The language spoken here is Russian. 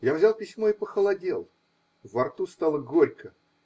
Я взял письмо и похолодел, во рту стало горько.